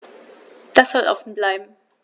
Das soll offen bleiben.